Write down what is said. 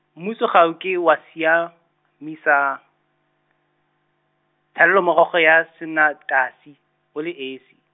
mmuso ga o ke wa siamisa, tshalelomorago ya sanetasi, o le esi.